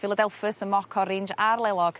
philadelphus y mock orange a'r lelog